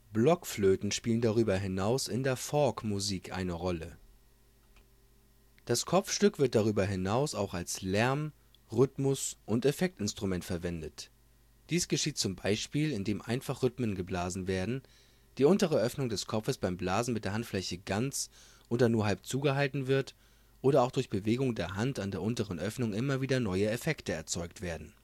Blockflöten spielen darüber hinaus in der Folkmusik eine Rolle. Das Kopfstück wird darüber hinaus auch als Lärm -, Rhythmus - und Effektinstrument verwendet. Dies geschieht zum Beispiel, indem einfach Rhythmen geblasen werden, die untere Öffnung des Kopfes beim Blasen mit der Handfläche ganz oder nur halb zugehalten wird oder auch durch Bewegungen der Hand an der unteren Öffnung immer wieder neue Effekte erzeugt werden